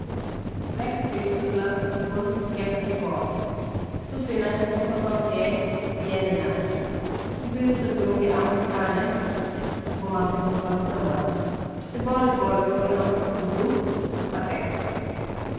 Lekk bi sub la bun yekk ci boor sub bi nak ñu ko toggee yeeli nakk ci biir sub bi mi ngi am kaane bu mag bun fa tëmbal ci boori boorbi mingi am kudd bu fa teg.